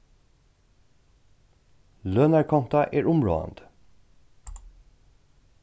lønarkonta er umráðandi